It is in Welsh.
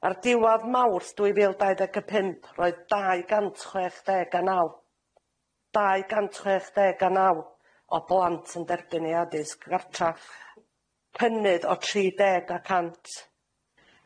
Ar diwadd Mawrth dwy fil dau ddeg y pump roedd dau gant chwech deg a naw, dau gant chwech deg a naw o blant yn dderbyn i addysg gartra, cynnydd o tri deg y cant,